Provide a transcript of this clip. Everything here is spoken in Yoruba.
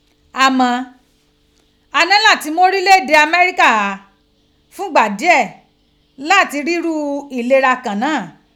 Àmọ́,a ní láti mú orílẹ̀ èdè Amẹ́ríkà ghá fún gbà díẹ̀ láti rí irú ìlera kan náà